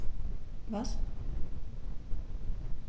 Was?